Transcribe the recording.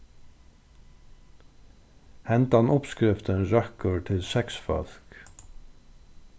hendan uppskriftin røkkur til seks fólk